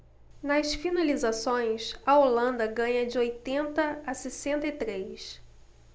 nas finalizações a holanda ganha de oitenta a sessenta e três